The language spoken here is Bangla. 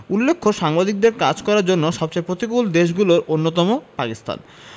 উল্লেখ্য সাংবাদিকদের কাজ করার জন্য সবচেয়ে প্রতিকূল দেশগুলোর অন্যতম পাকিস্তান